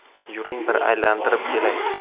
yuring bir aylantirib kelay